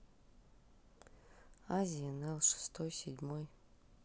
азия nel шестой седьмой